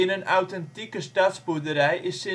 een authentieke stadsboerderij is